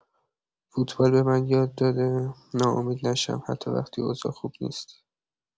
فوتبال به من یاد داده ناامید نشم، حتی وقتی اوضاع خوب نیست.